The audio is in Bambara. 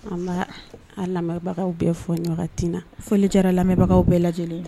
An ba an lamɛnbagaw bɛɛ fɔ nin wagati in na. Foli Jara lamɛnbagaw bɛɛ lajɛlen ye.